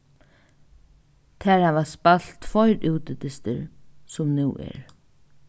tær hava spælt tveir útidystir sum nú er